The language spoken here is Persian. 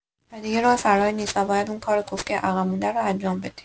و دیگه راه فراری نیست و باید اون کار کوفتی عقب مونده رو انجام بدی!